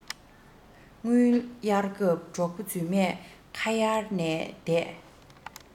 དངུལ གཡར སྐབས གྲོགས པོ རྫུན མས ཁ གཡར ནས བསྡད